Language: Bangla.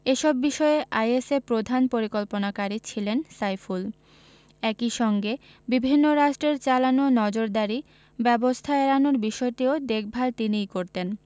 এসব বিষয়ে আইএসের প্রধান পরিকল্পনাকারী ছিলেন সাইফুল একই সঙ্গে বিভিন্ন রাষ্ট্রের চালানো নজরদারি ব্যবস্থা এড়ানোর বিষয়টিও দেখভাল তিনিই করতেন